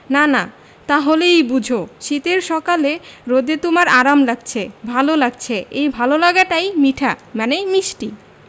নানা তা হলেই বোঝ শীতের সকালে রোদে তোমার আরাম লাগছে ভালো লাগছে এই ভালো লাগাটাই মিঠা মানে মিষ্টি